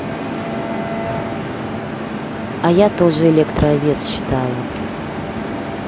а я тоже электроовец считаю